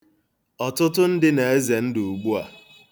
Ọtụtụ ndị na-eze ndụ ugbua.